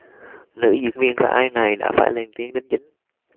nữ diễn viên khả ái này đã phải lên tiếng đính chính